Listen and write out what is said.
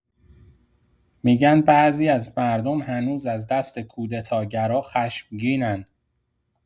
می‌گن بعضی از مردم هنوز از دست کودتاگرا خشمگینن.